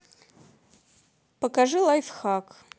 покажи лайфхак